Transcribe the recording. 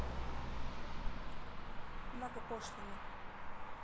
много пошлина